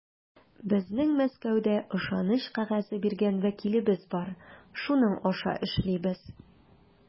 Безнең Мәскәүдә ышаныч кәгазе биргән вәкилебез бар, шуның аша эшлибез.